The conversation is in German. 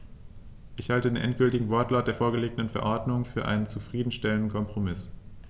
Ich halte den endgültigen Wortlaut der vorgelegten Verordnung für einen zufrieden stellenden Kompromiss.